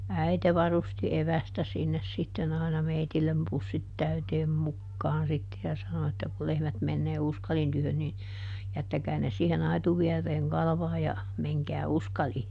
äiti varusti evästä sinne sitten aina meille pussit täyteen mukaan sitten ja sanoi että kun lehmät menee Uskalin tykö niin jättäkää ne siihen aitoviereen kalvamaan ja menkää Uskaliin